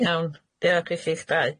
Iawn, diolch i chi'ch dau.